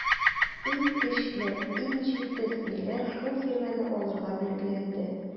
Иң көчле, иң җитез ирләр шул тирмәне алырга билгеләнде.